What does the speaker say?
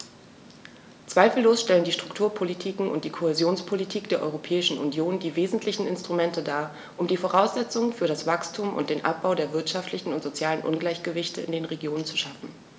Zweifellos stellen die Strukturpolitiken und die Kohäsionspolitik der Europäischen Union die wesentlichen Instrumente dar, um die Voraussetzungen für das Wachstum und den Abbau der wirtschaftlichen und sozialen Ungleichgewichte in den Regionen zu schaffen.